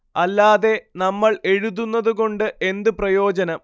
അല്ലാതെ നമ്മൾ എഴുതുന്നത് കൊണ്ട് എന്തു പ്രയോജനം